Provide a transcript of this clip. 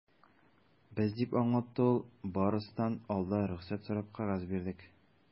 Без, - дип аңлатты ул, - барысыннан алда рөхсәт сорап кәгазь бирдек.